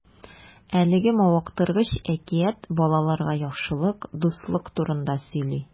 Әлеге мавыктыргыч әкият балаларга яхшылык, дуслык турында сөйли.